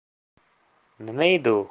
nima dedi u